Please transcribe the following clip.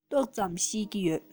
ཏོག ཙམ ཤེས ཀྱི ཡོད